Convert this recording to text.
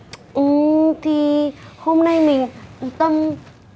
ừ thì hôm nay mình tâm